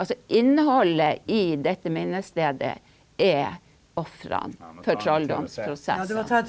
altså innholdet i dette minnestedet er ofrene for trollsprosessene.